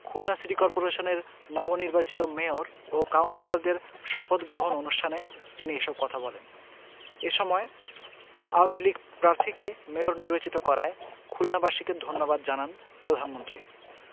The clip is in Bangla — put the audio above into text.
খুলনা সিটি কর্পোরেশনের নবনির্বাচিত মেয়র ও কাউন্সিলরদের শপথগ্রহণ অনুষ্ঠানে তিনি এসব কথা বলেন এ সময় আওয়ামী লীগ প্রার্থীকে মেয়র নির্বাচিত করায় খুলনাবাসীকে ধন্যবাদ জানান প্রধানমন্ত্রী